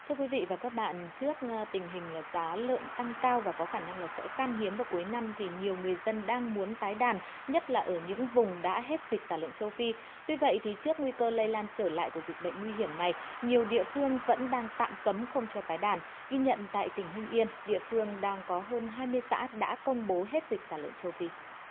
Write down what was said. thưa quý vị và các bạn trước nga tình hình là giá lợn tăng cao và có khả năng là sẽ khan hiếm vào cuối năm thì nhiều người dân đang muốn tái đàn nhất là ở những vùng đã hết dịch tả lợn châu phi tuy vậy thì trước nguy cơ lây lan trở lại của dịch bệnh nguy hiểm này nhiều địa phương vẫn đang tạm cấm không cho tái đàn ghi nhận tại tỉnh hưng yên địa phương đang có hơn hai mươi xã đã công bố hết dịch tả lợn châu phi